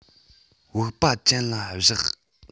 བུག པ ཅན ལ བཞག